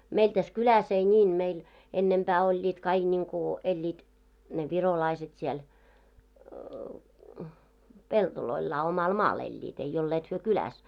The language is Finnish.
meillä tässä kylässä ei niin meillä ennempää olivat kaikki niin kuin elivät ne virolaiset siellä pelloillaan omalla maalla elivät ei olleet he kylässä